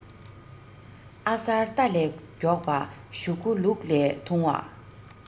ཨ གསར རྟ ལས མགྱོགས པ ཞུ གུ ལུག ལས ཐུང བ